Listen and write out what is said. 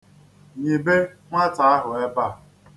Nyibe nwata ahụ ebe a.